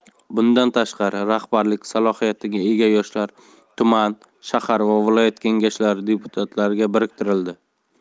bundan tashqari rahbarlik salohiyatiga ega yoshlar tuman shahar va viloyat kengashlari deputatlariga biriktirildi